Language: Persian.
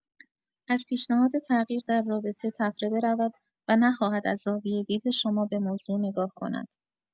از پیشنهاد تغییر در رابطه طفره برود و نخواهد از زاویه دید شما به موضوع نگاه کند.